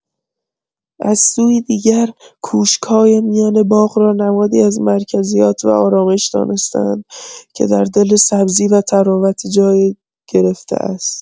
از سویی دیگر، کوشک‌های میان باغ را نمادی از مرکزیت و آرامش دانسته‌اند که در دل سبزی و طراوت جای گرفته است.